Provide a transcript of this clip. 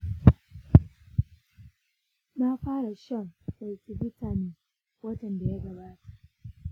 na fara shan multivitamin watan da ya gabata.